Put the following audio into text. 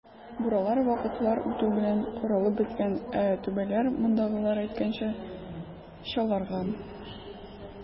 Буралар вакытлар үтү белән каралып беткән, ә түбәләр, мондагылар әйткәнчә, "чаларган".